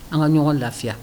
An ka ɲɔgɔn lafiya